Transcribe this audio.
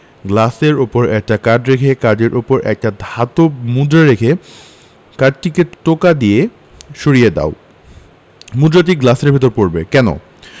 গ্লাসের উপর একটা কার্ড রেখে কার্ডের উপর একটা ধাতব মুদ্রা রেখে কার্ডটিকে টোকা দিয়ে সরিয়ে দাও মুদ্রাটি গ্লাসের ভেতর পড়বে কেন